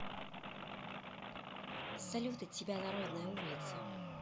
салют от тебя народная улица